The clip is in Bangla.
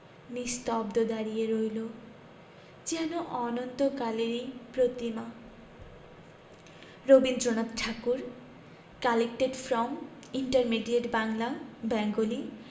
নিস্তব্দ দাঁড়িয়ে রইল যেন অনন্তকালেরই প্রতিমা Rabindranath Thakur collected from intermediate Bangla Bengali